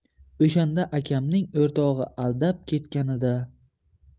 o'shanda akamning o'rtog'i aldab ketganida